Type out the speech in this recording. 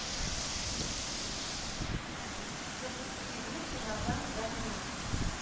запусти игру чемодан да нет